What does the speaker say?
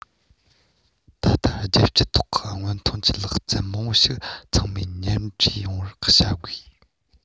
ད ལྟ རྒྱལ སྤྱིའི ཐོག གི སྔོན ཐོན གྱི ལག རྩལ མང པོ ཞིག ཚང མས མཉམ འདྲེས ཡོང བར བྱ དགོས